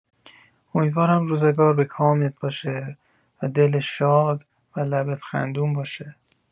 امیدوارم روزگار به کامت باشه و دل شاد و لبت خندون باشه